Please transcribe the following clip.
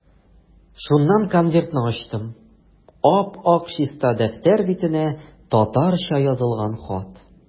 Шуннан конвертны ачтым, ап-ак чиста дәфтәр битенә татарча язылган хат.